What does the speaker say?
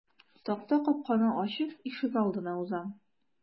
Такта капканы ачып ишегалдына узам.